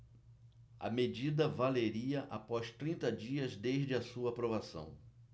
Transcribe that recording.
a medida valeria após trinta dias desde a sua aprovação